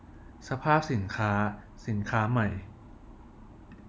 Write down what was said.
สภาพสินค้าสินค้าใหม่